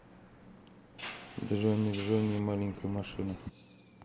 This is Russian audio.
джони джони и маленькая машина